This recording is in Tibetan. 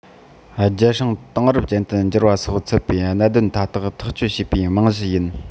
རྒྱལ སྲུང དེང རབས ཅན དུ འགྱུར བ སོགས ཚུད པའི གནད དོན མཐའ དག ཐག གཅོད བྱེད པའི རྨང གཞི ཡིན